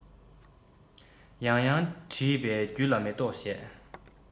ཡང ཡང འདྲིས པས རྒྱུད ལ མེ ཏོག བཞད